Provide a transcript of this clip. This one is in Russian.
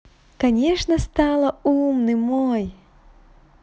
конечно стала умный мой